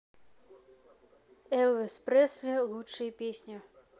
elvis presley лучшие песни